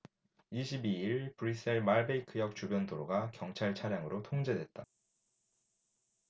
이십 이 일 브뤼셀 말베이크역 주변 도로가 경찰 차량으로 통제됐다